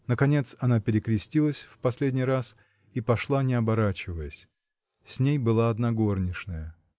Наконец она перекрестилась в последний раз и пошла, не оборачиваясь: с ней была одна горничная.